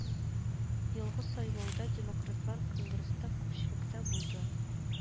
Елгы сайлауда демократлар конгресста күпчелектә булды